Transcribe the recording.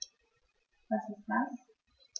Was ist das?